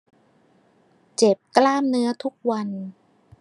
เจ็บกล้ามเนื้อทุกวัน